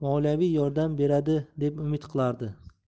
moliyaviy yordam beradi deb umid qilardi